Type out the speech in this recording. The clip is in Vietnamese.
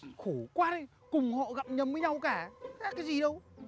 khổ quá đấy cùng họ gặm nhấm với nhau cả khác cái gì đâu